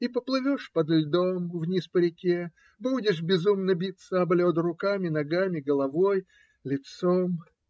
и поплывешь под льдом вниз по реке, будешь безумно биться об лед руками, ногами, головою, лицом.